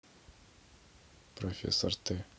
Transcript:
профессор т